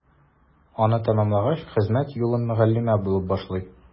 Аны тәмамлагач, хезмәт юлын мөгаллимә булып башлый.